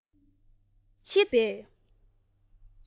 འཆི བདག གི སྒོ ཁར སླེབས པའི